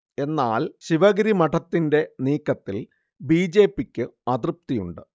എന്നാൽ ശിവഗിരി മഠത്തിന്റെ നീക്കത്തിൽ ബിജെപിക്ക് അതൃപ്തിയുണ്ട്